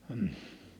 mm